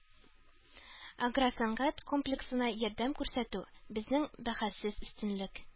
“агросәнәгать комплексына ярдәм күрсәтү – безнең бәхәссез өстенлек”